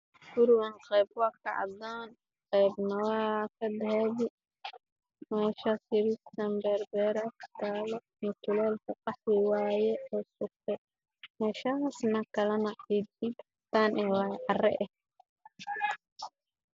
Gurgaan qeyb waa ka cadaan qeybna waa ka dahabi